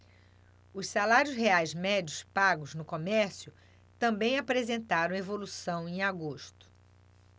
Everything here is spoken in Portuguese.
os salários reais médios pagos no comércio também apresentaram evolução em agosto